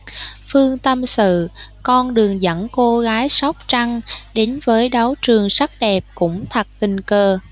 phương tâm sự con đường dẫn cô gái sóc trăng đến với đấu trường sắc đẹp cũng thật tình cờ